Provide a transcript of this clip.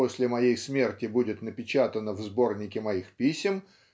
после моей смерти будет напечатано в сборнике моих писем